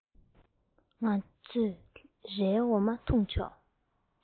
ང ཚོས རའི འོ མ འཐུང ཆོག